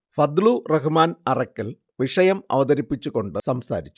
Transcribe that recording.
ഫദ്ലു റഹ്മാൻ അറക്കൽ വിഷയം അവതരിപ്പിച്ച് കൊണ്ട് സംസാരിച്ചു